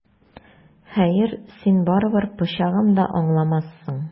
Хәер, син барыбер пычагым да аңламассың!